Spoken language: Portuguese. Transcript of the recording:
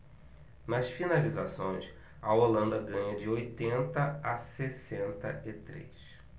nas finalizações a holanda ganha de oitenta a sessenta e três